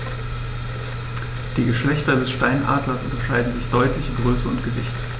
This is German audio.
Die Geschlechter des Steinadlers unterscheiden sich deutlich in Größe und Gewicht.